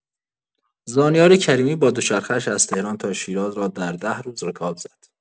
زانیار کریمی، با دوچرخه‌اش از تهران تا شیراز را در ده روز رکاب زد.